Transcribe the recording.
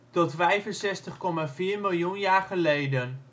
tot 65,4 miljoen jaar geleden